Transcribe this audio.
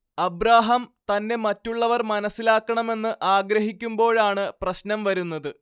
Abraham തന്നെ മറ്റുള്ളവർ മനസ്സിലാക്കണമെന്ന് ആഗ്രഹിക്കുമ്പോഴാണ് പ്രശ്നം വരുന്നത്